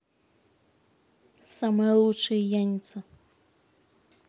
самая лучшая яница